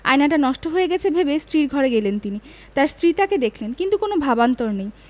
আয়নাটা নষ্ট হয়ে গেছে ভেবে স্ত্রীর ঘরে গেলেন তিনি তাঁর স্ত্রী তাঁকে দেখলেন কিন্তু কোনো ভাবান্তর নেই